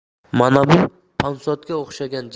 mana bu ponsodga o'xshagan